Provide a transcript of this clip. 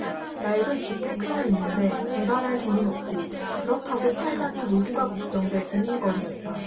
낡은 주택 하나 있는데 개발할 돈은 없고 그렇다고 팔자니 노후가 걱정돼 고민거리였다